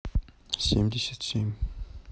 семьдесят семь